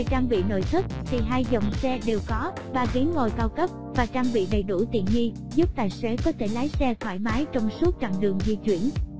về trang bị nội thất thì dòng xe đều có ghế ngồi cao cấp và trang bị đầy đủ tiện nghi giúp tài xế có thể lái xe thoải mái trong suốt chặn đường di chuyển